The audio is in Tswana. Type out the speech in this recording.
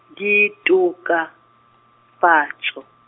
ditokafatso.